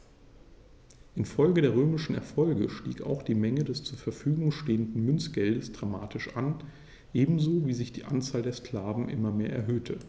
Infolge der römischen Erfolge stieg auch die Menge des zur Verfügung stehenden Münzgeldes dramatisch an, ebenso wie sich die Anzahl der Sklaven immer mehr erhöhte.